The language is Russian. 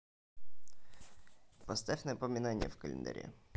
поставь напоминание в календаре